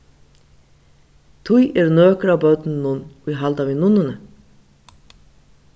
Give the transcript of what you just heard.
tí eru nøkur av børnunum ið halda við nunnuni